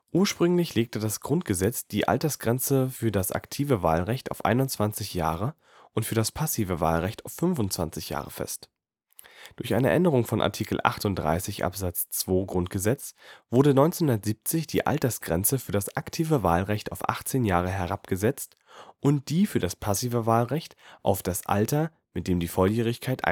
Ursprünglich legte das Grundgesetz die Altersgrenze für das aktive Wahlrecht auf 21 Jahre und für das passive Wahlrecht auf 25 Jahre fest. Durch eine Änderung von Art. 38 Abs. 2 GG wurde 1970 die Altersgrenze für das aktive Wahlrecht auf 18 Jahre herabgesetzt und die für das passive Wahlrecht auf das Alter, mit dem die Volljährigkeit